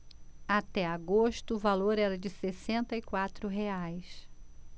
até agosto o valor era de sessenta e quatro reais